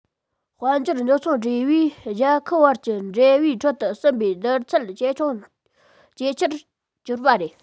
དཔལ འབྱོར ཉོ ཚོང འབྲེལ བས རྒྱལ ཁབ བར གྱི འབྲེལ བའི ཁྲོད དུ ཟིན པའི བསྡུར ཚད ཇེ ཆེར གྱུར པ རེད